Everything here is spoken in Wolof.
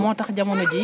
moo tax jamono jii